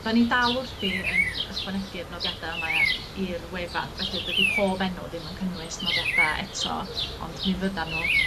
'dan ni dal wrthi yn ychwanegu'r nodiada' yma i'r wefan, felly dydi pob enw ddim yn cynnwys nodiada' eto ond mi fyddan nw